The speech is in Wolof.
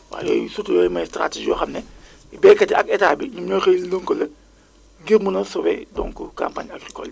waa yooyu surtout yooyu mooy stratégie yoo xam ne béykat yi ak état bi ñoom ñoo xëy lënkule ngir mun a sauver donc campagen garicole yi